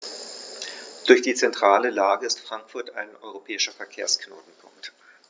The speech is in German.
Durch die zentrale Lage ist Frankfurt ein europäischer Verkehrsknotenpunkt.